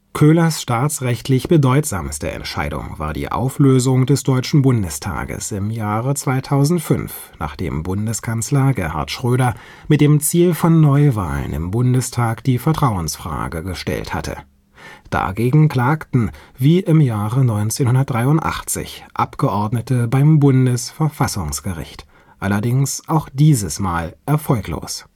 Köhlers staatsrechtlich bedeutsamste Entscheidung war die Auflösung des Deutschen Bundestages im Jahr 2005, nachdem Bundeskanzler Gerhard Schröder mit dem Ziel von Neuwahlen im Bundestag die Vertrauensfrage gestellt hatte. Dagegen klagten, wie im Jahre 1983, Abgeordnete beim Bundesverfassungsgericht, allerdings auch dieses Mal erfolglos